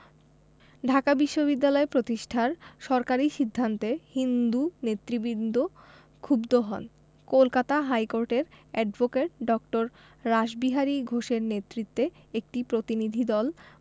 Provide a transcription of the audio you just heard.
ঢাকা বিশ্ববিদ্যালয় প্রতিষ্ঠার সরকারি সিদ্ধান্তে হিন্দু নেতৃবৃন্দ ক্ষুব্ধ হন কলকাতা হাইকোর্টের অ্যাডভোকেট ড. রাসবিহারী ঘোষের নেতৃত্বে একটি প্রতিনিধিদল